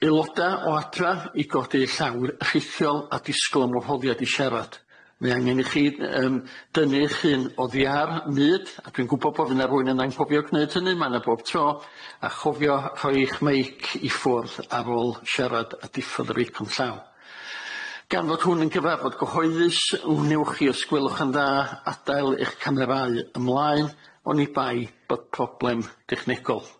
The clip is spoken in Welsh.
Aeloda o adra i godi llaw rhithiol a disgwl yn wholiad i siarad mae angen i chi yym dynnu'ch hun oddi ar myd a dwi'n gwbo bo' fy' na rywun yna'n cofio gneud hynny ma' na bob tro a chofio rhoi'ch meic i ffwrdd ar ôl siarad a diffodd yr eicon llaw, gan fod hwn yn gyfarfod gyhoeddus wnewch chi os gwelwch yn dda adael eich camerau ymlaen onibai bod problem dechnegol.